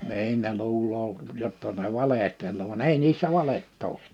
niin ne luulee jotta ne valehtelee vaan ei niissä valetta ole